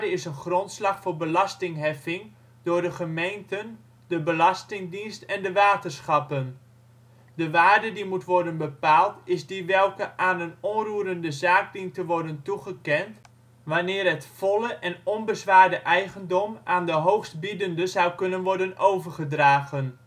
is een grondslag voor belastingheffing door de gemeenten, de belastingdienst en de waterschappen. De waarde die moet worden bepaald is die welke aan een onroerende zaak dient te worden toegekend wanneer de volle en onbezwaarde eigendom aan de hoogstbiedende zou kunnen worden overgedragen